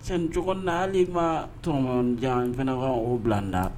San cogo na hali kuma tɔrɔjan fanagan o bilada